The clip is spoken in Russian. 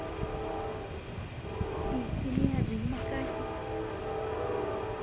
песня miyagi ямакаси